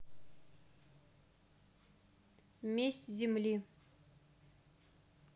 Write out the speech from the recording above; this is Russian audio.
месть земли